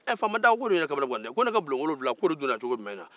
famma da ko ko ye ne kɔnɔ gan dɛ